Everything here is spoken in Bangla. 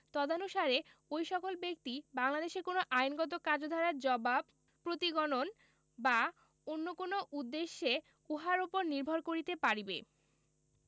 তদানুসারে ঐ সকল ব্যক্তি বাংলাদেশে কোন আইনগত কার্যধারার জবাব প্রতিগণন বা অন্য কোন উদ্দেশ্যে উহার উপর নির্ভর করিতে পারিবে